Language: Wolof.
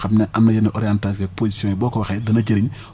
xam ne am na yenn orientations positions yi boo ko waxee dana jëriñ